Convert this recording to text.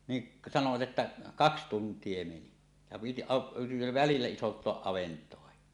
niin sanoivat että kaksi tuntia meni ja piti - välillä isontaa avantoa